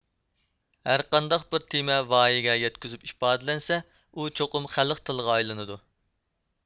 ھەرقانداق بىر تېما ۋايىگە يەتكۈزۈپ ئىپادىلەنسە ئۇ چوقۇم خەلق تىلىغا ئايلىنىدۇ